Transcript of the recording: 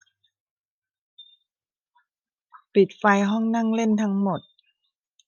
ปิดไฟห้องนั่งเล่นทั้งหมด